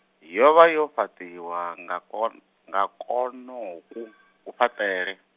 yo vha yo fhaṱiwa nga kon- nga kwonoku, kufhaṱele.